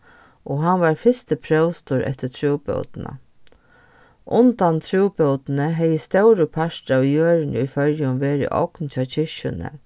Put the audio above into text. og hann var fyrsti próstur eftir trúbótina undan trúbótini hevði stórur partur av jørðini í føroyum verið ogn hjá kirkjuni